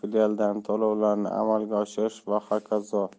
filialidan to'lovlarni amalga oshirish va hokazo